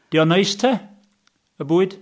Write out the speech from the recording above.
'Di o'n neis, te? Y bwyd?